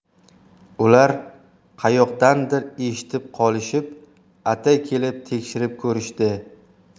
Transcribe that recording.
ular qayoqdandir eshitib qolishib atay kelib tekshirib ko'rishdi